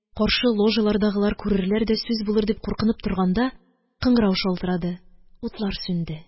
Каршы ложалардагылар күрерләр дә, сүз булыр дип куркынып торганда, кыңгырау шалтырады, утлар сүнде.